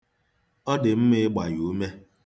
Ọ dị mma ịgba ya ume.